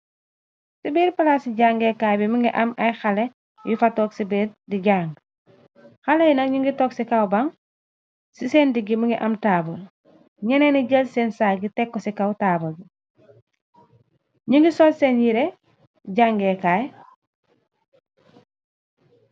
Si bere palace si jange kai bi mëngi am hale nyu janga. halenyi nak ngu gi tuk si ai ban si sen degi mu am table. nynen jel sen sack tekko si table bi.